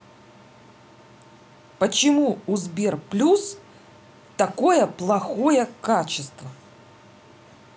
почему у сбер плюс такое плохое качество